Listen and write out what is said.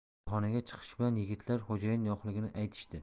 boloxonaga chiqishi bilan yigitlar xo'jayin yo'qlaganini aytishdi